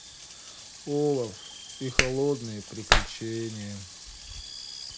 олаф и холодное приключение